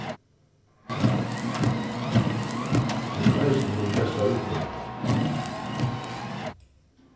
hon er eisini mín besta vinkona